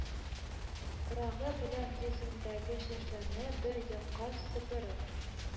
Рагы белән йөзендәге чәчләрне бер якка сыпырып